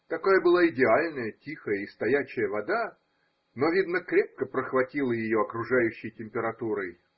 Такая была идеальная тихая и стоячая вода, но, видно, крепко прохватило ее окружающей температурой